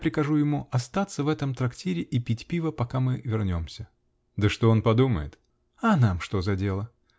Я прикажу ему остаться в этом трактире -- и пить пиво, пока мы вернемся. -- Да что он подумает? -- А нам что за дело!